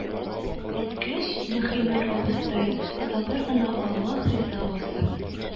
Әйткәч, маһинур абыстай сабыр гына: «аллаһ риза булсын,